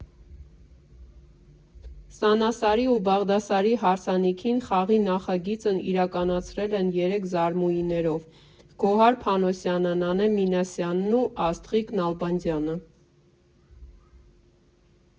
Սանասարի ու Բաղդասարի հարսանիքին Խաղի նախագիծն իրականացրել են երեք զարմուհիներով՝ Գոհար Փանոսյանը, Նանե Մինասյանն ու Աստղիկ Նալբանդյանը։